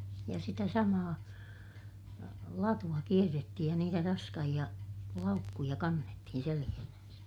ja sitä samaa latua kierrettiin ja niitä raskaita laukkuja kannettiin selässään